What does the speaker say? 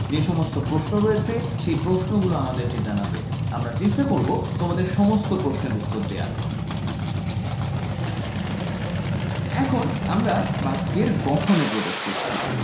যে সমস্ত প্রশ্ন রয়েছে সেই প্রশ্নগুলো আমাদেরকে জানাবে আমরা চেষ্টা করবো তোমাদের সমস্ত প্রশ্নের উত্তর দেয়ার এখন আমরা বাক্যের গঠনে প্রবেশ করছি